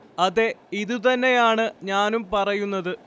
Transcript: അതെ ഇതു തന്നെയാണ് ഞാനും പറയുന്നത്